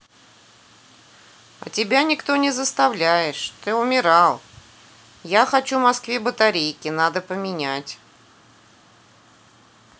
я тебе никто не заставляешь ты умирал я хочу москве батарейки надо поменять